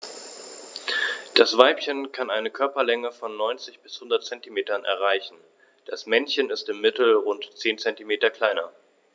Das Weibchen kann eine Körperlänge von 90-100 cm erreichen; das Männchen ist im Mittel rund 10 cm kleiner.